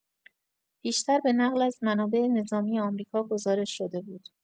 پیشتر به نقل از منابع نظامی آمریکا گزارش‌شده بود.